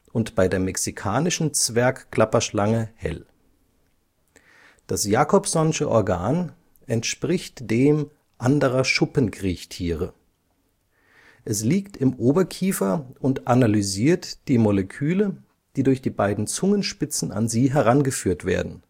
und bei der Mexikanischen Zwergklapperschlange (S. ravus) hell. Das Jacobsonsche Organ entspricht dem anderer Schuppenkriechtiere. Es liegt im Oberkiefer und analysiert die Moleküle, die durch die beiden Zungenspitzen an sie herangeführt werden